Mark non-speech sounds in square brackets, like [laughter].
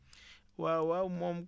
[breath] waaw waaw moom